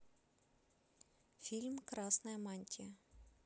фильм красная мантия